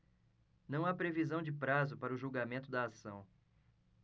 não há previsão de prazo para o julgamento da ação